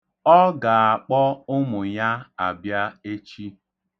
Ọ ga-akpọ ụmụ ya abịa echi.